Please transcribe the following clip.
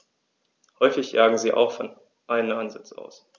Häufig jagen sie auch von einem Ansitz aus.